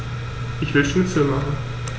Ich will Schnitzel machen.